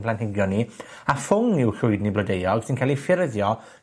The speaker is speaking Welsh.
planhigion ni, a ffwng yw llwydni blodeuog sy'n ca'l 'i ffyrddio